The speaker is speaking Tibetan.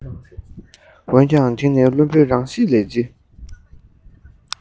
འོན ཀྱང འདི ནི བླུན པོའི རང གཤིས ལས ཅི